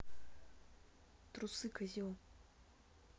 трусы козел